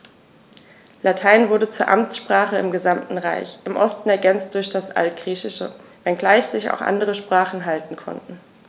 Latein wurde zur Amtssprache im gesamten Reich (im Osten ergänzt durch das Altgriechische), wenngleich sich auch andere Sprachen halten konnten.